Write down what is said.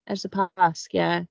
Ers y pasg ie.